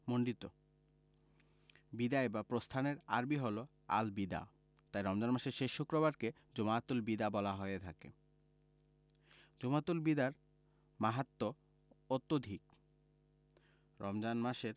মণ্ডিত বিদায় বা প্রস্থানের আরবি হলো আল বিদা তাই রমজানের শেষ শুক্রবারকে জুমাতুল বিদা বলা হয়ে থাকে জুমাতুল বিদার মাহাত্ম্য অত্যধিক রমজান মাসের